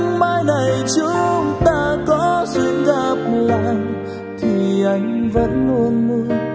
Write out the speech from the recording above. mai này chúng ta có duyên gặp lại thì anh vẫn luôn luôn